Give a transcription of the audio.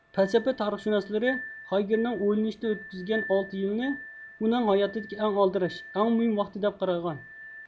پەلسەپە تارىخشۇناسلىرى خايگېرنىڭ ئويلىنىشتا ئۆتكۈزگەن ئالتە يىلىنى ئۇنىڭ ھاياتىدىكى ئەڭ ئالدىراش ئەڭ مۇھىم ۋاقتى دەپ قارىغان